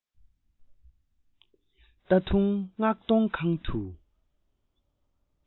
ཏ ཐུང མངགས གཏོང ཁང དུ